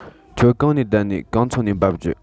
ཁྱོད གང ནས བསྡད ནིས གང ཚོད ནས འབབ རྒྱུ